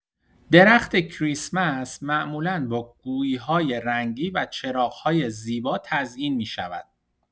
درخت کریسمس معمولا با گوی‌های رنگی و چراغ‌های زیبا تزئین می‌شود.